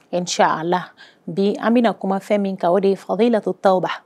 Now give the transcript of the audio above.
Nc a la bi an bɛna kumafɛn min ka o de fa bɛ' la to taawba